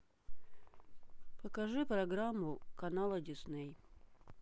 покажи программу канала дисней